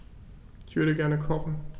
Ich würde gerne kochen.